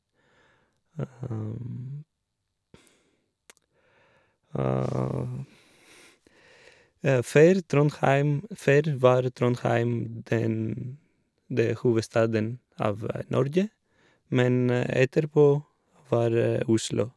før Trondheim Før var Trondheim den det hovedstaden av Norge, men etterpå var Oslo.